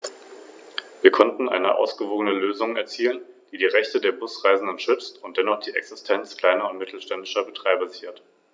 Allem voran sollte das neue System der wissenschaftlichen Forschung und der Innovation zu einem Impuls verhelfen.